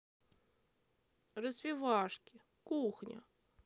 развивашки кухня